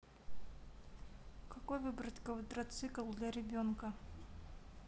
какой выбрать квадроцикл для ребенка